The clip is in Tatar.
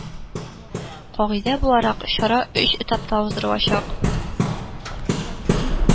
Кагыйдә буларак, чара өч этапта уздырылачак